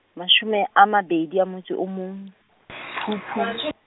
mashome a mabedi a motso o mong, Phupu.